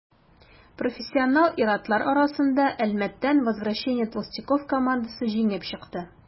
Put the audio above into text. Профессионал ир-атлар арасында Әлмәттән «Возвращение толстяков» командасы җиңеп чыкты.